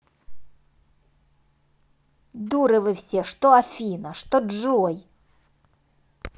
дуры вы все что афина что джой